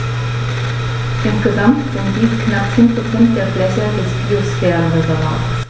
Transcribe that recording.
Insgesamt sind dies knapp 10 % der Fläche des Biosphärenreservates.